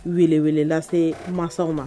Welewele lasee masaw ma